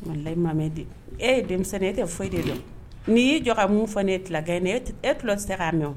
Malilayi mamɛ di e ye denmisɛnnin ye e tɛ foyi de don n'i y'i jɔ ka mun fɔ ye tilakɛ ni e tulo tɛ k'a mɛn